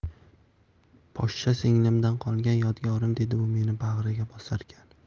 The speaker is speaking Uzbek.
poshsha singlimdan qolgan yodgorim dedi u meni bag'riga bosarkan